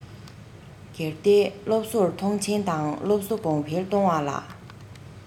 གལ ཏེ སློབ གསོར མཐོང ཆེན དང སློབ གསོ གོང འཕེལ གཏོང བ ལ